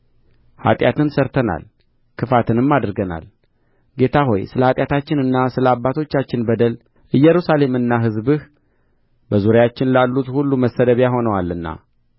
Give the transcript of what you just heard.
ኃጢአትን ሠርተናል ክፋትንም አድርገናል ጌታ ሆይ ስለ ኃጢአታችንና ስለ አባቶቻችን በደል ኢየሩሳሌምና ሕዝብህ በዙሪያችን ላሉት ሁሉ መሰደቢያ ሆነዋልና